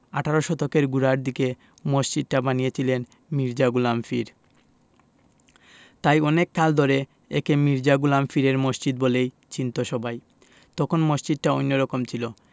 আঠারো শতকের গোড়ার দিকে মসজিদটা বানিয়েছিলেন মির্জা গোলাম পীর তাই অনেক কাল ধরে একে মির্জা গোলাম পীরের মসজিদ বলেই চিনতো সবাই তখন মসজিদটা অন্যরকম ছিল